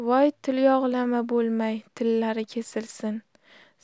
voy tilyog'lama bo'lmay tillari kesilsin